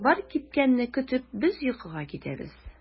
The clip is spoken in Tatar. Чалбар кипкәнне көтеп без йокыга китәбез.